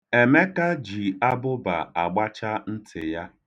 Emeka ji abụba agbacha ntị ya.